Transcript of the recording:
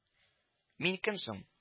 —мин кем соң